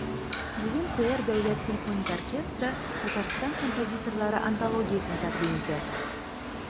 Бүген ТР Дәүләт симфоник оркестры Татарстан композиторлары антологиясен тәкъдим итә.